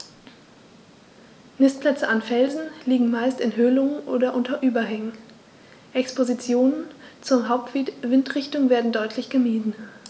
Nistplätze an Felsen liegen meist in Höhlungen oder unter Überhängen, Expositionen zur Hauptwindrichtung werden deutlich gemieden.